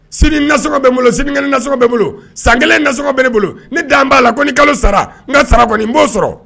Sini nasɔŋo bɛ n bolo sini kelen na sɔŋo bɛ n bolo san kelen na sɔŋo bɛ ne bolo ne daan b'a la ko ni kalo sara n ka sara kɔni n b'o sɔrɔ